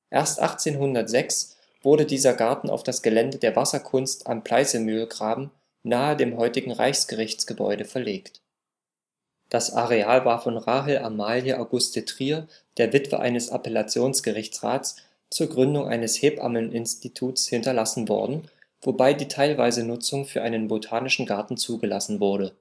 Erst 1806 wurde dieser Garten auf das Gelände der Wasserkunst am Pleißemühlgraben nahe dem heutigen Reichsgerichtsgebäude verlegt. Das Areal war von Rahel Amalie Auguste Trier, der Witwe eines Appellationsgerichtsrats, zur Gründung eines Hebammeninstituts hinterlassen worden, wobei die teilweise Nutzung für einen Botanischen Garten zugelassen wurde